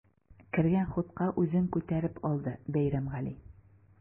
Кергән хутка үзен күтәреп алды Бәйрәмгали.